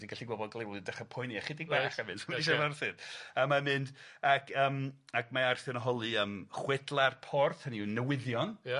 Ti'n gallu gweld bod Glewlyd dechra poeni ychydig bach a mynd myndie. i siarad efo Arthur a mae'n mynd ac yym ac mae Arthur yn holi yym chwedla'r porth, hynny yw newyddion. Ia.